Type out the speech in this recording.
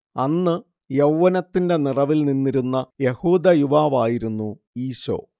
അന്ന് യൗവ്വനത്തിന്റെ നിറവിൽ നിന്നിരുന്ന യഹൂദ യുവാവായിരുന്നു ഈശോ